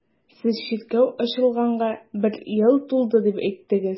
Сез чиркәү ачылганга бер ел тулды дип әйттегез.